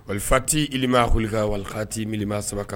Aliti ilima hakilili kan wali t' milima saba